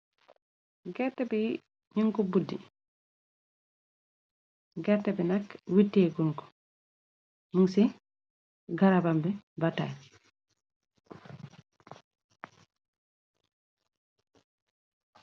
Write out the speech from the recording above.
Gerte bi ñëngko buddi gerte bi nakk witeegun go mun ci garabambi batay.